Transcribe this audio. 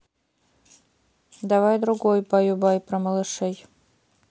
давай другой баю бай про малышей